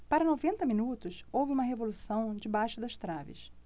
para noventa minutos houve uma revolução debaixo das traves